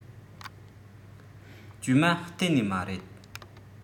བཅོས མ གཏན ནས མ རེད